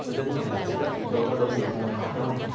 tui tính nhờ bà sét ắp dùm tui cái bữa tiệc nho nhỏ ở chỗ này nè